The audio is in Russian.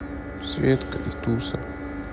светка и туса